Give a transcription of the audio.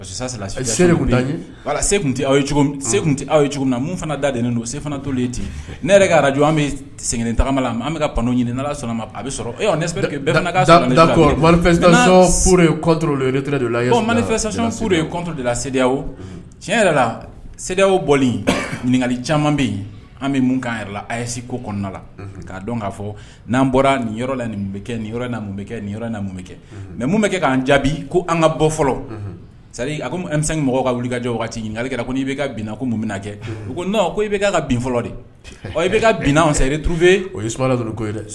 Ku aw cogo min fana da de don sefana tolen ten ne yɛrɛ ka araj an bɛ sɛgɛn tagama la bɛka ka pan ɲini sɔnna a bɛ sɔrɔ ne sauru de la se tiɲɛ yɛrɛ la sɛ o bɔlen ɲininkakali caman bɛ yen an bɛ mun yɛrɛ lase ko kɔnɔna la k'a dɔn k'a fɔ n'an bɔra nin yɔrɔ la nin bɛ kɛ nin bɛ kɛ nin mun bɛ kɛ mɛ mun bɛ kɛ k'an jaabi ko an ka bɔ fɔlɔ ko bɛ se mɔgɔ ka wuli ka jan waati ɲini' la ko n' bɛ ka binna ko mun bɛ' kɛ ko ko i bɛ ka bin fɔlɔ de i bɛ ka binna tu bɛ o ye su